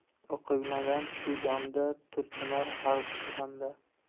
o'qimagan shu damda turtinar har qadamda